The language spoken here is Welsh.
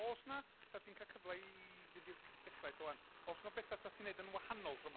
Oes 'na... 'sa ti'n cael cyfle i fynd i'r g- dechrau eto ŵan, oes 'na betha 'sa ti'n wneud yn wahanol tro yma?